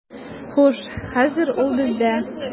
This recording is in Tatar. Хуш, хәзер ул бездә.